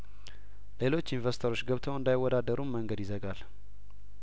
ሌሎች ኢንቨስተሮች ገብተው እንዳይወዳደሩም መንገድ ይዘጋል